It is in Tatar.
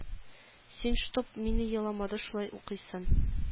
Син чтоб мин еламады шулай укыйсың